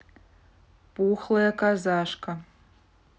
пухлая казашка